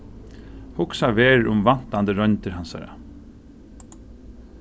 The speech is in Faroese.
hugsað verður um vantandi royndir hansara